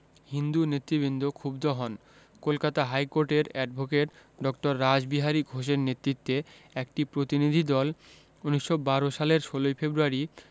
হিন্দু নেতৃবৃন্দ ক্ষুব্ধ হন কলকাতা হাইকোর্টের অ্যাডভোকেট ড. রাসবিহারী ঘোষের নেতৃত্বে একটি প্রতিনিধিদল ১৯১২ সালের ১৬ ফেব্রুয়ারি